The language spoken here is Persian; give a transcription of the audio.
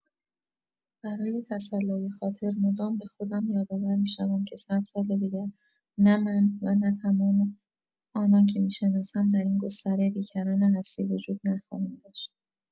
برای تسلای خاطر، مدام به خودم یادآور می‌شوم که صد سال دیگر نه من و نه تمام آنان که می‌شناسم در این گستره بی‌کران هستی وجود نخواهیم داشت.